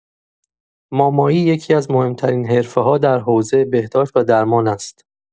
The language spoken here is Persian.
مامایی یکی‌از مهم‌ترین حرفه‌ها در حوزه بهداشت و درمان است.